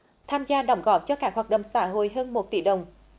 tham gia đóng góp cho các hoạt động xã hội hơn một tỷ đồng